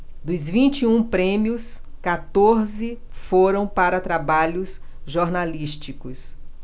dos vinte e um prêmios quatorze foram para trabalhos jornalísticos